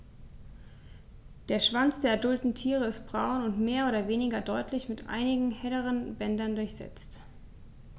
Der Schwanz der adulten Tiere ist braun und mehr oder weniger deutlich mit einigen helleren Bändern durchsetzt.